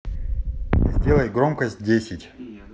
сделай громкость десять